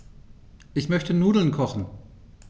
Ich möchte Nudeln kochen.